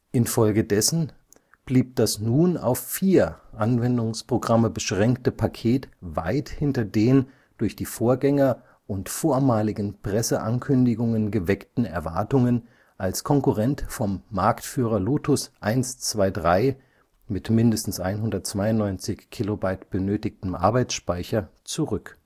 Infolgedessen blieb das nun auf vier Anwendungsprogramme beschränkte Paket weit hinter den durch die Vorgänger und vormaligen Presseankündigungen geweckten Erwartungen als Konkurrent vom Marktführer Lotus 1-2-3 (mit mindestens 192 KB benötigtem Arbeitsspeicher) zurück